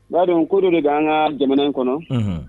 Baa dɔn ko dun de an ka jamana in kɔnɔ